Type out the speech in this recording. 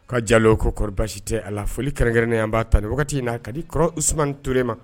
Ka ja ko kɔrɔ basi tɛ a la foli kɛrɛnnen an b'a tan ni wagati in na ka di kɔrɔs toe ma